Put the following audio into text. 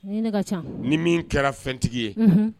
Nin de ka can ni min kɛra fɛntigi ye unhun